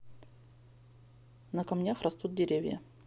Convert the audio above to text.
на камнях растут деревья